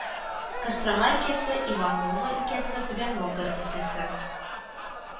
Кострома өлкәсе, Иваново өлкәсе, Түбән Новгород өлкәсе